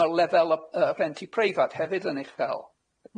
Ma'r lefel yy yy rentu preifat hefyd yn uchel.